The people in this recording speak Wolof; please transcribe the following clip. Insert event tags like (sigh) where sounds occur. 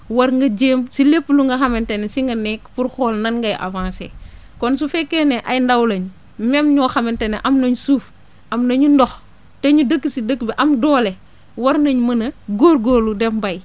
war nga jéem si lépp lu nga xamante ne si nga nekk pour xool nan ngay avancer (breath) kon su fekkee ne ay ndaw lañ même ñoo xamante ne am nañ suuf am nañu ndox te ñu dëkk si dëkk bi am doole war nañ mën a góorgóorlu dem bay